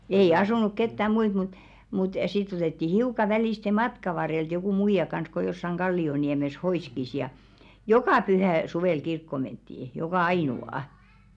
ei asunut ketään muita mutta mutta sitten otettiin hiukan välistä matkan varrelta joku muija kanssa kun jossakin kallioniemessä hoiski ja joka pyhä suvella kirkkoon mentiin joka ainoa